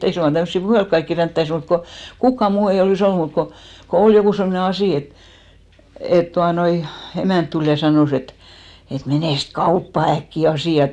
ei suinkaan tämmöisiä puhella kaikkia ränttäisi mutta kun kukaan muu ei olisi ollut mutta kun kun oli joku semmoinen asia että että tuota noin emäntä tuli ja sanoi että että menes kauppaan äkkiä asialle